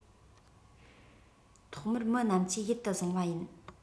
ཐོག མར མི རྣམས ཀྱིས ཡིད དུ བཟུང པ ཡིན